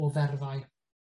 O ferfau?